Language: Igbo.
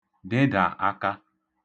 ḋịḋà aka